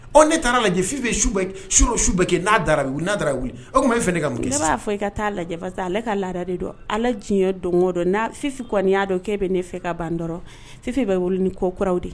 Ɔ ne taara lajɛ fii ye su, surɔ su bɛɛ kɛ, n'a dara, a bɛ wlui ,n'a dara a bɛɛ wuli, ɔ tuma e bɛ fɛ ne ka mun kɛ, ne b'a fɔ i ka t taa a lajɛ , parce que ale ka laada de don aliah ye diɲɛ don o da , n'a Fifi kɔni y'a dɔn e bɛ ne fɛ ka ban dɔrɔn, Fifi bɛ wuli ni ko kuraw de ye.